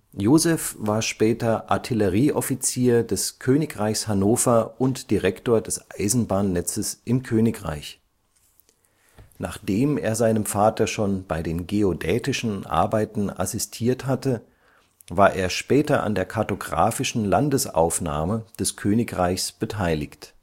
Joseph war später Artillerieoffizier des Königreichs Hannover und Direktor des Eisenbahnnetzes im Königreich. Nachdem er seinem Vater schon bei den geodätischen Arbeiten assistiert hatte, war er später an der kartografischen Landesaufnahme des Königreichs beteiligt